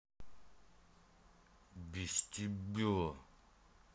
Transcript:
без тебя